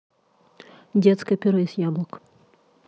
детское пюре из яблок